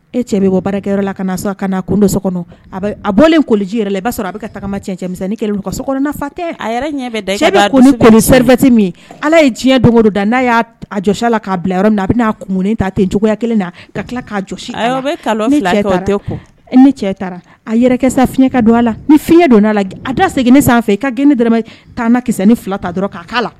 E cɛ bɛ bɔ baarakɛyɔrɔ la ka a ka kundo so kɔnɔ a a bɔlen koloji yɛrɛ b baa sɔrɔ a bɛ kama cɛmisɛn kak cɛti min ala ye diɲɛ don da n'a y'a a jɔ la k'a bila yɔrɔ min a bɛ'a kun ta tɛ juguyaya kelen na ka k'a a fiɲɛ don a la ni fiɲɛ don la a da segin san fɛ i ka g ne kaana kinin fila ta dɔrɔn k' la